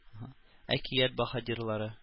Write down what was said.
Әкият баһадирлары